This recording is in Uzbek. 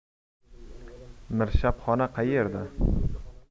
mirshabxona qayerda